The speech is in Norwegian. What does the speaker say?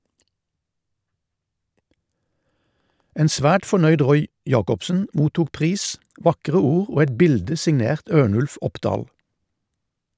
En svært fornøyd Roy Jacobsen mottok pris, vakre ord og et bilde signert Ørnulf Opdahl.